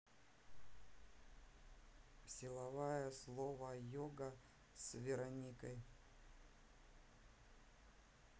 силовая слово йога с вероникой